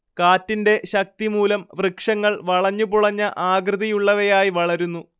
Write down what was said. കാറ്റിന്റെ ശക്തിമൂലം വൃക്ഷങ്ങൾ വളഞ്ഞുപുളഞ്ഞ ആകൃതിയുള്ളവയായി വളരുന്നു